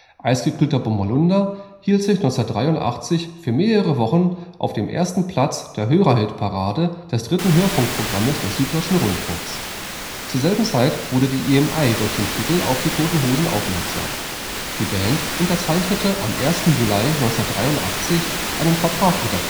Eisgekühlter Bommerlunder hielt sich 1983 für mehrere Wochen auf dem ersten Platz der Hörerhitparade des 3. Hörfunkprogrammes des Süddeutschen Rundfunks. Zur selben Zeit wurde die EMI durch den Titel auf „ Die Toten Hosen “aufmerksam. Die Band unterzeichnete am 1. Juli 1983 einen Vertrag mit der Plattenfirma